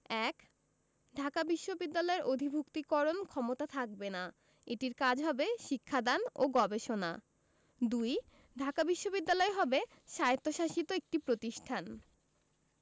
১. ঢাকা বিশ্ববিদ্যালয়ের অধিভুক্তিকরণ ক্ষমতা থাকবে না এটির কাজ হবে শিক্ষা দান ও গবেষণা ২. ঢাকা বিশ্ববিদ্যালয় হবে স্বায়ত্তশাসিত একটি প্রতিষ্ঠান